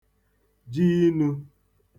ji inu